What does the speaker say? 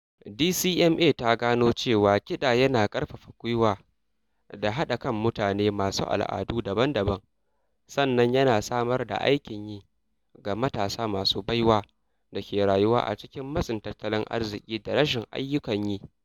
DCMA ta gano cewa kiɗa yana karfafa gwiwa da haɗa kan mutane masu al'adu dabam - sannan yana samar da aikin yi ga matasa masu baiwa da ke rayuwa a cikin matsin tattalin arziƙi da rashin aiyukan yi.